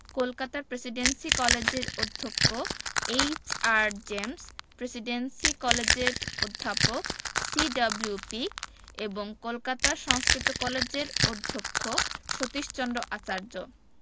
Kolkata presidency কলেজের অধ্যক্ক H R James presidency কলেজের অধ্যাপক সি.ডব্লিউ পিক এবং কলকাতা সংস্কৃত কলেজের অধ্যক্ষ সতীশচন্দ্র আচার্য